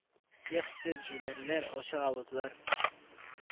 Их сез, җүләрләр, ачык авызлар